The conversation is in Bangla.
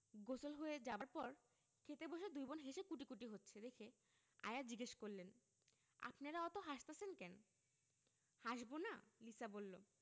গোসল হয়ে যাবার পর খেতে বসে দুই বোন হেসে কুটিকুটি হচ্ছে দেখে আয়া জিজ্ঞেস করলেন আপনেরা অত হাসতাসেন ক্যান হাসবোনা লিসা বললো